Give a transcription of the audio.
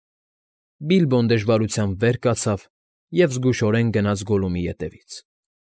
Բիլբոն Դժվարությամբ վեր կացավ և զգուշորեն գնաց Գոլլումի ետևից։